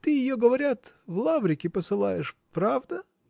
Ты ее, говорят, в Лаврики посылаешь, правда?